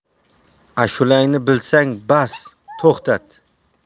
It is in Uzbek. ashulangni bilsang bas to'xtat